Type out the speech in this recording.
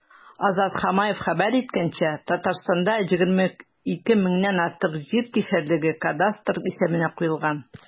Азат Хамаев хәбәр иткәнчә, Татарстанда 22 меңнән артык җир кишәрлеге кадастр исәбенә куелган.